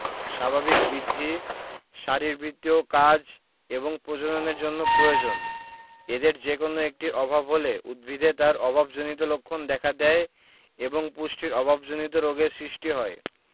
স্বাভাবিক বৃদ্ধি শারীরবৃত্তীয় কাজ এবং পজননের জন্য প্রয়োজন এদের যেকোনো একটির অভাব হলে উদ্ভিদে তার অভাবজনিত লক্ষণ দেখা দেয় এবং পুষ্টির অভাবজনিত রোগের সৃষ্টি হয়